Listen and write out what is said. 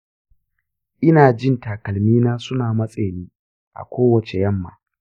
ina jin takalmina suna matse ni a kowace yamma.